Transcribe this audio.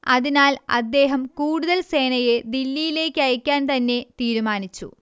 അതിനാൽ അദ്ദേഹം കൂടുതൽ സേനയെ ദില്ലിയിലേക്കയക്കാൻതന്നെ തീരുമാനിച്ചു